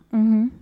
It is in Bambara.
Unhun